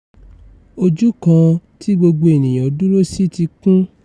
Ojú kan tí gbogbo ènìyàn dúró sí ti kún.